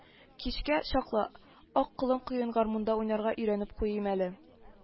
Кичкә чаклы ак колын көен гармунда уйнарга өйрәнеп куйыйм әле